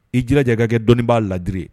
I jja kɛ dɔnni b'a ladire